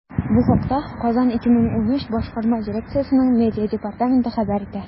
Бу хакта “Казан 2013” башкарма дирекциясенең медиа департаменты хәбәр итә.